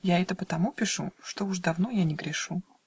Я это потому пишу, Что уж давно я не грешу.